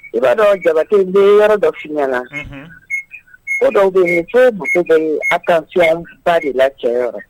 I b'a dɔn jabate den yɔrɔ dɔ fiɲɛɲɛna na ko dɔ se mu kulubali aw ka filan ba de la cayayɔrɔ